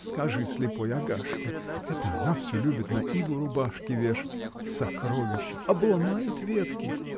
Скажи слепой Агашке: это она всё любит на иву рубашки вешать! сокровище! Обломает ветки!.